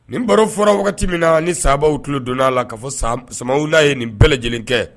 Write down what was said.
Nin baro fɔra wagati min na ni sabaa tulo donna aa la k ka fɔ sama laa ye nin bɛɛ lajɛlen kɛ